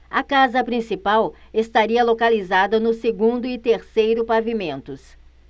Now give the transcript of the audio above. a casa principal estaria localizada no segundo e terceiro pavimentos